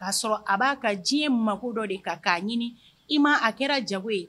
K kaa sɔrɔ a b'a ka diɲɛ mago dɔ de kan k'a ɲini i ma a kɛra jago ye